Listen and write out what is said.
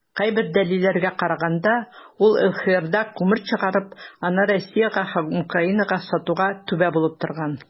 Кайбер дәлилләргә караганда, ул ЛХРда күмер чыгарып, аны Россиягә һәм Украинага сатуга "түбә" булып торган.